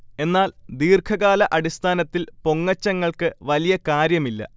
എന്നാൽ ദീർഘകാല അടിസ്ഥാനത്തിൽ പൊങ്ങച്ചങ്ങൾക്ക് വലിയ കാര്യമില്ല